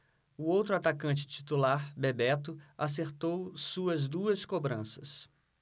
o outro atacante titular bebeto acertou suas duas cobranças